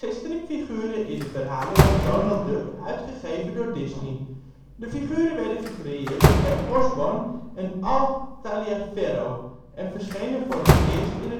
stripfiguren in de verhalen rond Donald Duck, uitgegeven door Disney. De figuren werden gecreëerd door Ted Osborne en Al Taliaferro en verschenen voor het eerst in